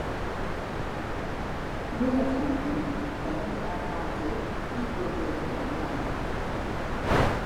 เมื่อฉันเหนื่อยฉันมีอาการเจ็บที่บริเวณหัวใจ